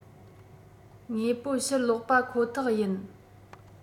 དངོས པོ ཕྱིར སློག པ ཁོ ཐག ཡིན